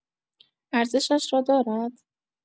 ارزشش را دارد؟